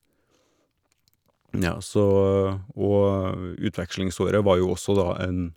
Nja, så og utvekslingsåret var jo også da en...